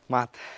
mệt